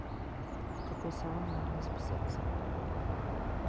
в какой салон можно записаться